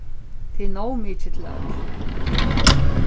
tað er nóg mikið til øll